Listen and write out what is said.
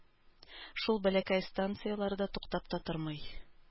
Шул бәләкәй станцияләрдә туктап та тормый.